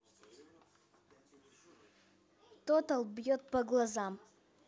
total бьет по глазам